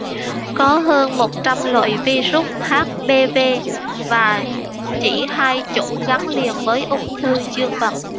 có hơn một trăm loại virus hpv và chỉ hai chủng gắn liền với ung thư dương vật